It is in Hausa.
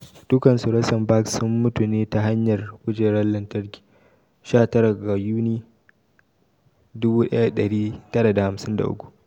Dukansu Rosenbergs sun mutu ne ta hanyar kujerar lantarki ranar 19 ga Yuni, 1953.